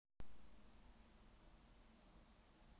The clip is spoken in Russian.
может меня жарят